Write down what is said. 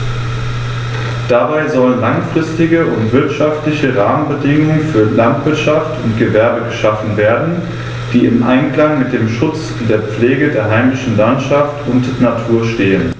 Dabei sollen langfristige und wirtschaftliche Rahmenbedingungen für Landwirtschaft und Gewerbe geschaffen werden, die im Einklang mit dem Schutz und der Pflege der heimischen Landschaft und Natur stehen.